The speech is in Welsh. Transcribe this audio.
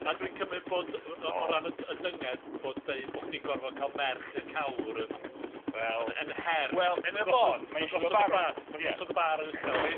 A dwi'n cymryd bod yy o o ran y dy- y dynged bod deud bo' chdi'n gorfod ca'l merch y cawr yn wel yn yn her... Wel yn y bôn mae'n gosod y bar yn uchel.